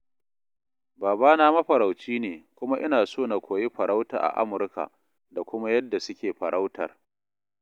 Babana mafarauci ne kuma ina so na koyi farauta a Amurka da kuma yadda suke farautar.